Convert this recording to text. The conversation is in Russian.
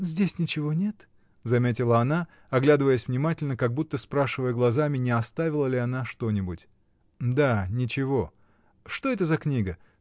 — Здесь ничего нет, — заметила она, оглядываясь внимательно, как будто спрашивая глазами, не оставила ли она что-нибудь. — Да, ничего. Что это за книга?